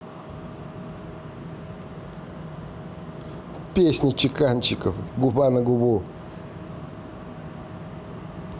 песня чеканщиков губа на губу